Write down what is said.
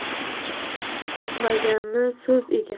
kuch egmaganni so'z egar